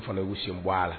U fana yu sen bɔ a la.